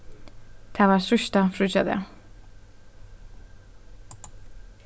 tað var síðsta fríggjadag